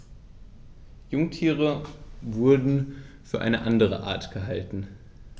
Jungtiere wurden für eine andere Art gehalten.